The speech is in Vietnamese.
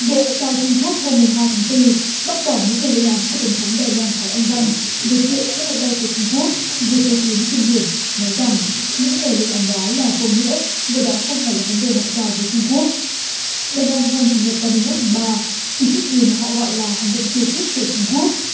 bộ ngoại giao trung quốc hôm mùng hai tháng tư bác bỏ những lời lên án của tổng thống đài loan thái anh văn về chuyện các máy bay của trung quốc vượt giới tuyến trên biển nói rằng những lời lên án đó là vô nghĩa vì đó không phải là vấn đề ngoại giao với trung quốc đài loan hôm chủ nhật ba mươi mốt tháng ba chỉ trích điều mà họ gọi là hành động khiêu khích của trung quốc